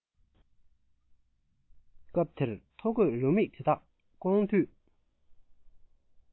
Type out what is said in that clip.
སྐབས དེར ཐོ འགོད རེའུ མིག དེ དག སྐོང དུས